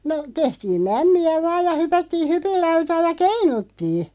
no tehtiin mämmiä vain ja hypättiin hypinlautaa ja keinuttiin